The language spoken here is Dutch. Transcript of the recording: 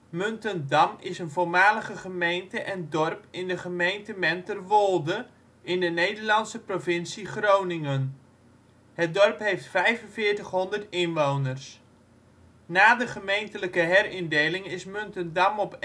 Muntendam is een voormalige gemeente en dorp in de gemeente Menterwolde, in de Nederlandse provincie Groningen. Het dorp heeft 4500 inwoners (2008). Na de gemeentelijke herindeling is Muntendam op